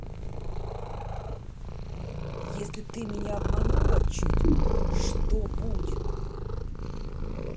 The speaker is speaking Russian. если ты меня обманула чуть что будет